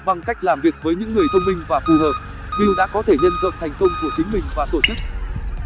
bằng cách làm việc với những người thông minh và phù hợp bill đã có thể nhân rộng thành công của chính mình và tổ chức